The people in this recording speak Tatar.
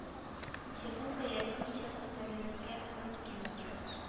Җирнең бәясе ничек күтәрелергә мөмкин соң